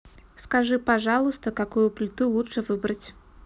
скажи пожалуйста какую плиту лучше выбрать